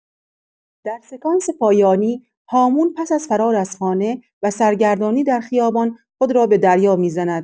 در سکانس پایانی، هامون پس از فرار از خانه و سرگردانی در خیابان، خود را به دریا می‌زند.